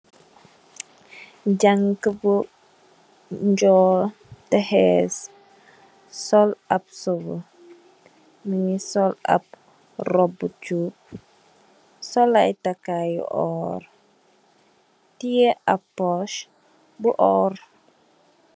Janke bu njol teh hess sol ab suveh muge sol ab roubu chub sol aye takaye yu orr teye ab puss bu orr.